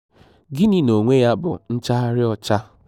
Gịnị n'onwe ya bụ nchaghari ọcha?